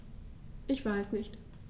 Ich weiß nicht.